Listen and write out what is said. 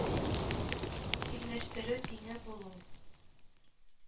Тиңләштерү тиңе булу